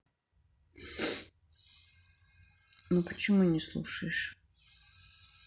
ну почему не слушаешься